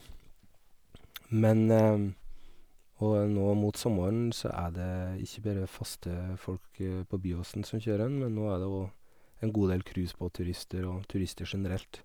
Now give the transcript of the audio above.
men Og nå mot sommeren så er det ikke bare faste folk på Byåsen som kjører den, men nå er det òg en god del cruisebåtturister og turister generelt.